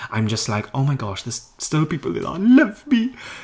I'm just like "Oh my gosh there's still people there that love me!"